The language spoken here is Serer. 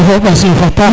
wo fo ɓaslofa paax